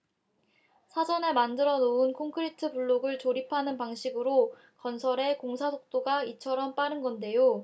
사전에 만들어 놓은 콘크리트 블록을 조립하는 방식으로 건설해 공사 속도가 이처럼 빠른 건데요